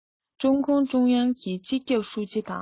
ཀྲུང གུང ཀྲུང དབྱང གི སྤྱི ཁྱབ ཧྲུའུ ཅི དང